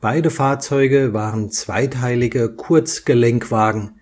Beide Fahrzeuge waren zweiteilige Kurzgelenkwagen,